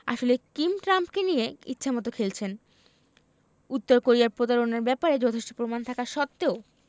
আসলে কিম ট্রাম্পকে নিয়ে ইচ্ছেমতো খেলছেন উত্তর কোরিয়ার প্রতারণার ব্যাপারে যথেষ্ট প্রমাণ থাকা সত্ত্বেও